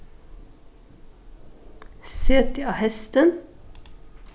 set teg á hestin